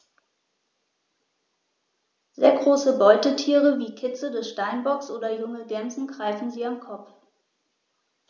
Sehr große Beutetiere wie Kitze des Steinbocks oder junge Gämsen greifen sie am Kopf.